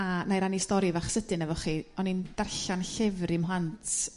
a 'na' i rannu stori fach sydyn efoch chi o'n i'n darllen llyfr i'm mhlant